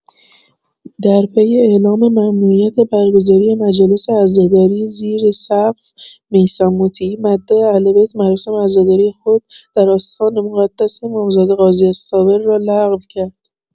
در پی اعلام ممنوعیت برگزاری مجالس عزاداری زیر سقف، میثم مطیعی مداح اهل‌بیت مراسم عزاداری خود، در آستان مقدس امامزاده قاضی‌الصابر را لغو کرد.